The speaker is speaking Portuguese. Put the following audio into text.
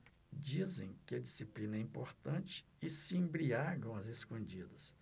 dizem que a disciplina é importante e se embriagam às escondidas